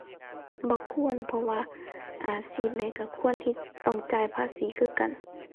บ่ควร เพราะว่าอาชีพใดก็ควรที่ต้องจ่ายภาษีคือกัน